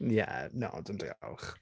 Ie na, dim diolch.